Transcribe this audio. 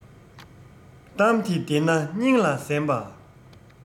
གཏམ དེ བདེན ན སྙིང ལ གཟན པ